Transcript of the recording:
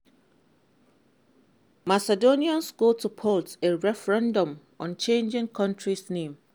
Macedonians go to polls in referendum on changing country's name